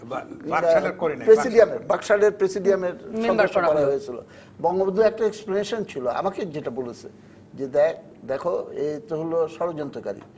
বাকশালের প্রেসিডিয়ামের মেম্বার করা হলো বঙ্গবন্ধুর একটা এক্সপ্লানেশন ছিল আমাকে যেটা বলেছে যে দেখ দেখো এত হল ষড়যন্ত্রকারী